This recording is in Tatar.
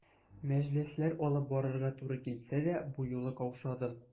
Мәҗлесләр алып барырга туры килсә дә, бу юлы каушадым.